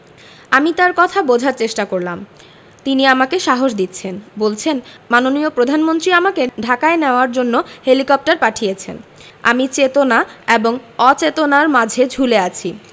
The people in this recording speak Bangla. আমি তার কথা বোঝার চেষ্টা করলাম তিনি আমাকে সাহস দিচ্ছেন বলছেন মাননীয় প্রধানমন্ত্রী আমাকে ঢাকায় নেওয়ার জন্য হেলিকপ্টার পাঠিয়েছেন আমি চেতনা এবং অচেতনার মাঝে ঝুলে আছি